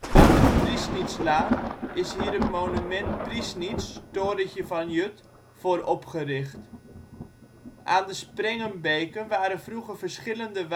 Aan de Priesnitzlaan is hier het monument Priesnitz (torentje van Jut) voor opgericht. Aan de sprengenbeken waren vroeger verschillende